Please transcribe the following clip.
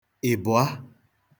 ị̀bụ̀a